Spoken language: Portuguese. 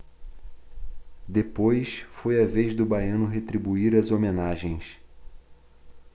depois foi a vez do baiano retribuir as homenagens